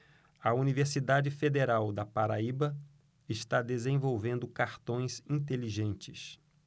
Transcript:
a universidade federal da paraíba está desenvolvendo cartões inteligentes